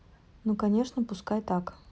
ну конечно пускай так